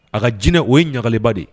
A ka jinɛ o ye ɲakalenba de ye.